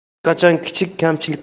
hech qachon kichik